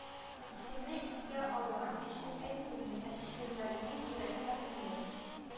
Исемне искә алган өчен әйтелми, ә шигырьләрең йөрәк әрнүле